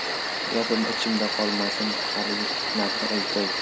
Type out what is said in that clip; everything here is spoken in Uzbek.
gapim ichimda qolmasin haligi hikmatni aytay